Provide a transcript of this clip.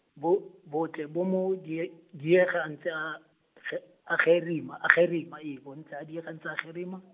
bo bo tle bo mo die-, diega a ntse a a, ge-, a gerima a gerima, ee bo ntse a diega a ntse a gerima.